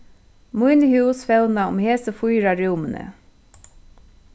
míni hús fevna um hesi fýra rúmini